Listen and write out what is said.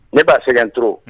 Ne b'a sɛgɛn t